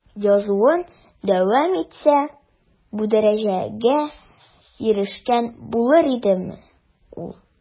Язуын дәвам итсә, бу дәрәҗәгә ирешкән булыр идеме ул?